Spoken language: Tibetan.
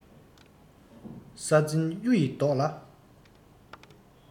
ས འཛིན གཡུ ཡི མདོག ལ